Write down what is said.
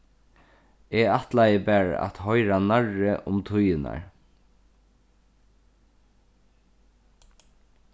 eg ætlaði bara at hoyra nærri um tíðirnar